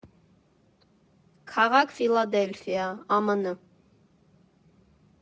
Քաղաք՝ Ֆիլադելֆիա, ԱՄՆ։